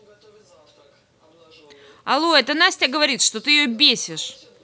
алло это настя говорит то что ты ее бесишь